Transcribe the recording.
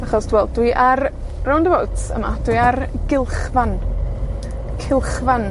Achos, d- wel, dwi ar roundabout yma, dwi ar gylchfan, cylchfan.